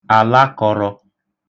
àlakọ̄rọ̄